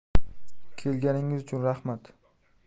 kelganingiz uchun rahmat